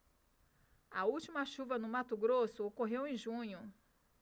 a última chuva no mato grosso ocorreu em junho